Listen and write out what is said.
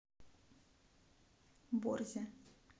борзя